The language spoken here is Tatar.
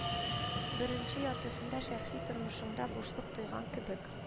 Беренче яртысында шәхси тормышыңда бушлык тойган кебек